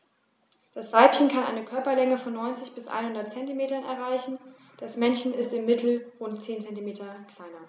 Das Weibchen kann eine Körperlänge von 90-100 cm erreichen; das Männchen ist im Mittel rund 10 cm kleiner.